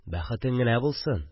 Бәхетең генә булсын